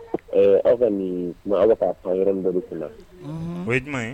Aw ka ala k' pan yɛrɛ dɔ kun